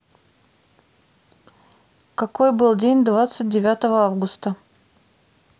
какой был день двадцать девятого августа